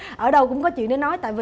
ở đâu cũng có chuyện để nói tại vì